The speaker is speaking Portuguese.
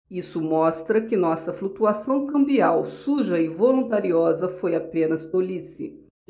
isso mostra que nossa flutuação cambial suja e voluntariosa foi apenas tolice